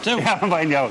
Mae'n iawn.